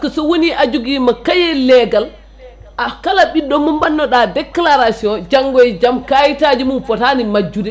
so woni a joguima cahier leegal a kala ɓiɗɗo mo bannoɗa déclaration janggo e jaam kayitaji mum fotani majjude